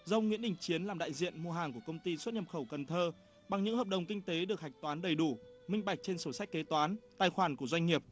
do ông nguyễn đình chiến làm đại diện mua hàng của công ty xuất nhập khẩu cần thơ bằng những hợp đồng kinh tế được hạch toán đầy đủ minh bạch trên sổ sách kế toán tài khoản của doanh nghiệp